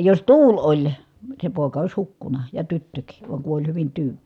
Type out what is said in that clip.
jos tuuli oli se poika olisi hukkunut ja tyttökin vaan kun oli hyvin tyyni